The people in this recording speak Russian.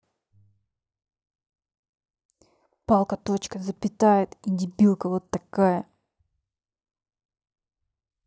палка точка запитает и дебилка вот такая